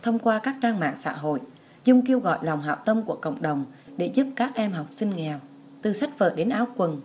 thông qua các trang mạng xã hội chung kêu gọi lòng hảo tâm của cộng đồng để giúp các em học sinh nghèo từ sách vở đến áo quần